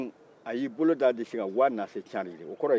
dɔnki a y'i bolo d'a disi kan wa na se cari